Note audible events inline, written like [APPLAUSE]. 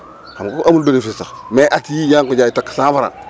xam nga foofu amul bénéfice sax mais ak yii yaa ngi ko jaayee takk 100F [NOISE]